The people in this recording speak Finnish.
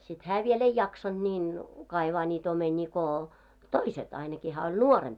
sitten hän vielä ei jaksanut niin kaivaa niitä omenia kun toiset ainakin hän oli nuorempi